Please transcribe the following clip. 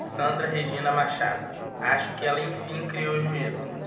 sandra regina machado acho que ela enfim criou juízo